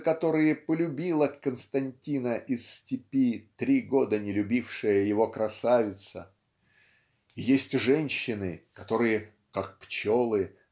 за которые полюбила Константина из "Степи" три года не любившая его красавица. И есть женщины которые "как пчелы